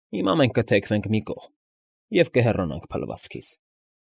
Հիմա մենք կթեքվենք մի կողմ և կհեռանանք փլվածքից։